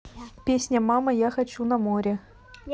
песня мама я хочу на море